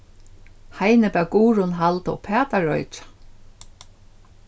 heini bað guðrun halda uppat at roykja